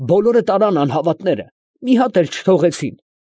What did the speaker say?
Բոլորը տարան անհավատները, մի հատ էլ չթողեցին։